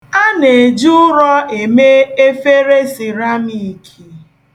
A na-eji ụrọ eme efere siramiiki.